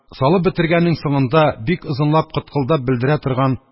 Салып бетергәннең соңында бик озынлап кыткылдап белдерә торган